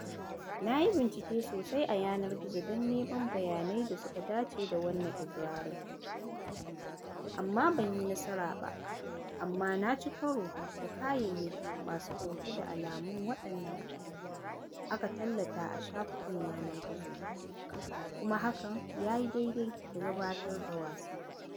Na yi bincike sosai a yanar gizo don neman bayanai da suka dace da wannan iƙirarin amma ban yi nasara ba, amma na ci karo da kayayyaki masu ɗauke da alamun waɗanda aka tallata a shafukan yanar gizo, kuma hakan ya yi daidai da gabatar da wasan.